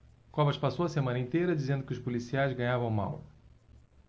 covas passou a campanha inteira dizendo que os policiais ganhavam mal